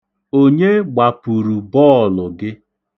Onye gbapuru bọọlụ gị?